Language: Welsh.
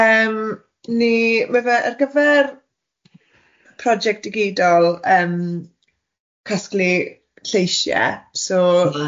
Yym ni, ma fe ar gyfer project digidol yym casglu lleisie so... A.